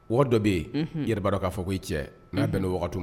Waga dɔ bɛ yen yɛrɛba dɔn k'a fɔ ko ii cɛ n'a bɛnnato min